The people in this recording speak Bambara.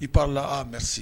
I'a lahameri